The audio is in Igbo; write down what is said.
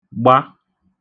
gba